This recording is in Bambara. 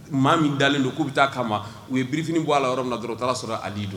Maa min dalenlen don k'u bɛ taa kama u ye birifiniinin bɔ la yɔrɔ na dɔrɔnta sɔrɔ a don